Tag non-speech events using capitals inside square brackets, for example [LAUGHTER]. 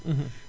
[HESITATION] [HESITATION]